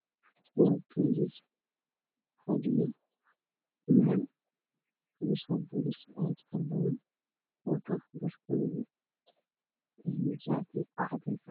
Waa ciidan boolis ah oo wato shaati caddeyska koofi cadays oo fadhiyaan meel ayay haystaan